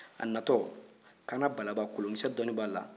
a natɔ kaana balaba kolonkisɛ dɔnni b'a la